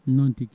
noon tigui